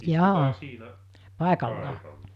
istukaa siinä paikalla